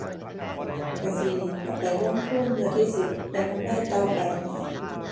ก็สิเอาไปลงทุนเพื่อที่สิได้กำไรต่อไปอีก